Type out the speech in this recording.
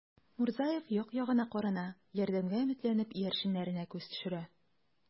Мурзаев як-ягына карана, ярдәмгә өметләнеп, иярченнәренә күз төшерә.